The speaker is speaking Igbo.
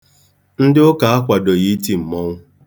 Ndị Ụka akwadoghị iti mmọnwụ.